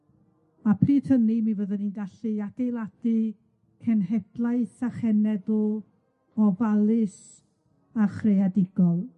a pryd hynny mi fyddwn ni'n gallu adeiladu cenhedlaeth a chenedl ofalus a chreadigol.